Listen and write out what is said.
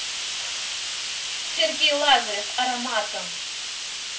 сергей лазарев ароматом